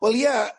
Wel ia